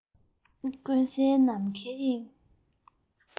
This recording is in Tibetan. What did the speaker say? ཀུན གསལ ནམ མཁའི དབྱིངས